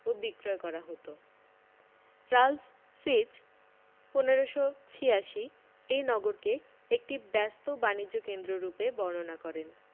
ও বিক্রয় করা হতো রালফ ফিচ ১৫৮৬ এই নগরকে একটি ব্যস্ত বাণিজ্যকেন্দ্ররূপে বর্ণনা করেন